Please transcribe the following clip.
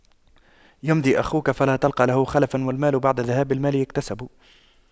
يمضي أخوك فلا تلقى له خلفا والمال بعد ذهاب المال يكتسب